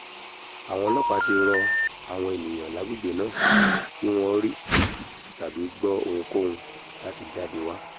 Àwọn ọlọ́ọ̀pá ti rọ àwọn ènìyàn lágbègbè náà tí wón rí tàbí gbọ́ ohunkóhun latí jáde wa.